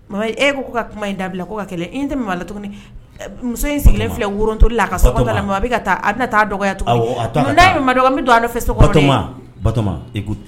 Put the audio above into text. Mɔhamɛdi, e ko ka kuma in da bila ko ka kɛlɛ i ɲɛ tɛ maman la tuguni. Muso in sigilen filɛ Batɔma, Batɔma, worotoli la ka sokɔnɔna na. Maman bɛ ka taa, a bɛna taa dɔgɔya tuguni , Awɔ a to a ka taa, Mɔhamɛdi, n'a ye maman dɔgɔya n bɛ don a nɔfɛ so kɔnɔ dɛ! Batɔma, Batɔma écoute .